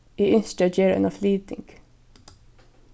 eg ynski at gera eina flyting